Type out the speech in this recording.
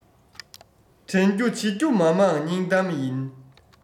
དྲན རྒྱུ བྱེད རྒྱུ མ མང སྙིང གཏམ ཡིན